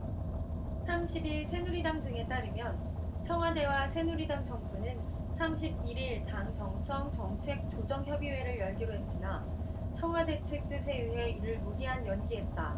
삼십 일 새누리당 등에 따르면 청와대와 새누리당 정부는 삼십 일 일 당정청 정책조정협의회를 열기로 했으나 청와대 측 뜻에 의해 이를 무기한 연기했다